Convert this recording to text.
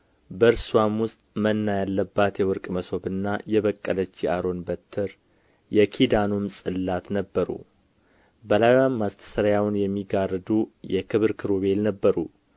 በእርስዋም ውስጥ መና ያለባት የወርቅ መሶብና የበቀለች የአሮን በትር የኪዳኑም ጽላት ነበሩ በላይዋም ማስተስሪያውን የሚጋርዱ የክብር ኪሩቤል ነበሩ